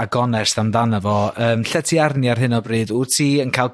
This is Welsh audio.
ag onest amdano fo yym lle ti arni ar hyn o bryd? Wt ti yn ca'l